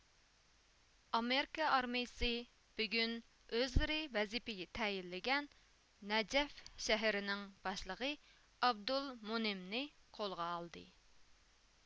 ئامېرىكا ئارمىيىسى بۈگۈن ئۆزلىرى ۋەزىپىگە تەيىنلىگەن نەجەف شەھىرىنىڭ باشلىقى ئابدۇل مۇنىمنى قولغا ئالدى